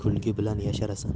kulgi bilan yasharasan